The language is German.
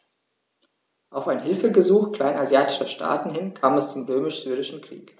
Auf ein Hilfegesuch kleinasiatischer Staaten hin kam es zum Römisch-Syrischen Krieg.